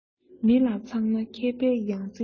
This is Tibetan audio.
མི ལ ཚང ན མཁས པའི ཡང རྩེ ཡིན